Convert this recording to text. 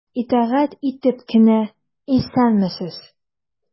Итагать итеп кенә:— Исәнмесез!